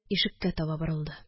Ишеккә таба борылды